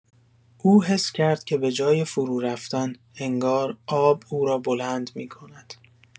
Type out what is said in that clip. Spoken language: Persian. او حس کرد که به‌جای فرورفتن، انگار آب او را بلند می‌کند.